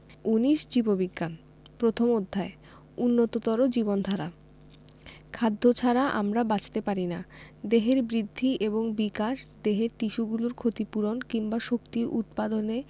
১৯ জীববিজ্ঞান প্রথম অধ্যায় উন্নততর জীবনধারা খাদ্য ছাড়া আমরা বাঁচতে পারি না দেহের বৃদ্ধি এবং বিকাশ দেহের টিস্যুগুলোর ক্ষতি পূরণ কিংবা শক্তি উৎপাদনে